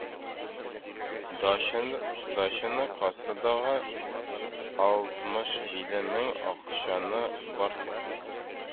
Дачаны, кассадагы алтмыш җиде мең акчаны барлык